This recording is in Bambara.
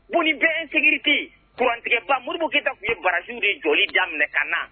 Bon bɛɛsigitiurantigɛba moriurukeyita tun ye baraj de joli da ka na